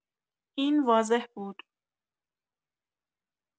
این واضح بود.